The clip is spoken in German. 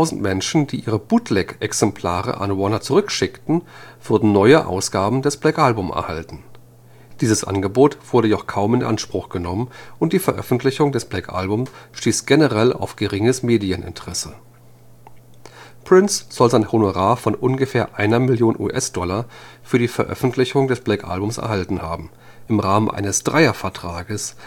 Menschen, die ihre Bootleg-Exemplare an Warner zurückschickten, würden neue Ausgaben des Black Album erhalten. Dieses Angebot wurde jedoch kaum in Anspruch genommen und die Veröffentlichung des Black Album stieß generell auf geringes Medieninteresse. Prince soll ein Hononar von ungefähr einer Million US-Dollar für die Veröffentlichung des Black Album erhalten haben – im Rahmen eines Dreiervertrags